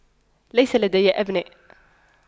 ليس لدي أبناء